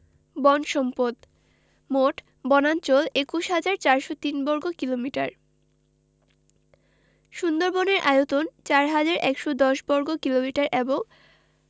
বন সম্পদঃ মোট বনাঞ্চল ২১হাজার ৪০৩ বর্গ কিলোমিটার সুন্দরবনের আয়তন ৪হাজার ১১০ বর্গ কিলোমিটার এবং